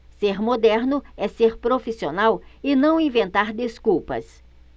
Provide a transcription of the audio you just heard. ser moderno é ser profissional e não inventar desculpas